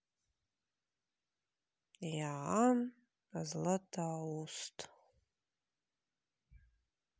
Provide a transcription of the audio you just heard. иоанн златоуст